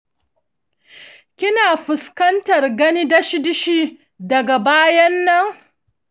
kina fuskantar gani dashi dishi daga baya bayan nan?